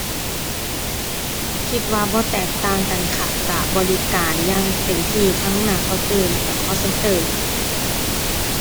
คิดว่าบ่แตกต่างกันค่ะ ก็บริการอย่างเต็มที่ ทั้งหน้าเคาน์เตอร์แล้วก็ call center